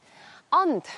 Ond